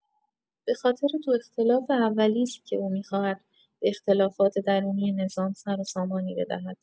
به‌خاطر دو اختلاف اولی است که او می‌خواهد به اختلافات درونی نظام سر و سامانی بدهد.